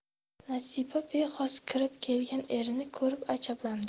nasiba bexos kirib kelgan erini ko'rib ajablandi